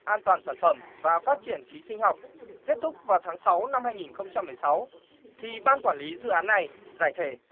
an toàn sản phẩm và phát triển khí sinh học kết thúc vào tháng sáu năm hai nghìn không trăm mười sáu thì ban quản lý dự án này giải thể